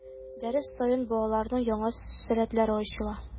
Дәрес саен балаларның яңа сәләтләре ачыла.